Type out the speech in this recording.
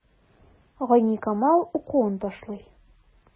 Гайникамал укуын ташлый.